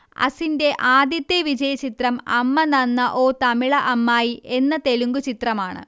അസിൻറെ ആദ്യത്തെ വിജയചിത്രം അമ്മ നന്ന ഓ തമിള അമ്മായി എന്ന തെലുഗു ചിത്രമാണ്